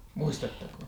muistatteko